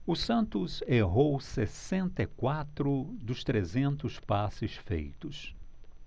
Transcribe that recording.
o santos errou sessenta e quatro dos trezentos passes feitos